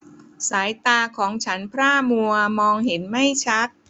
สายตาของฉันพร่ามัวมองเห็นไม่ชัด